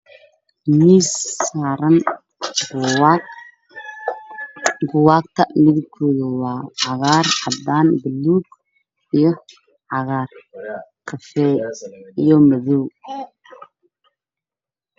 Waa miis waxaa saaran buugaag fara badan oo midabkooda yahay madow buluug caddaan